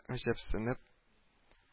Гаҗәпсенеп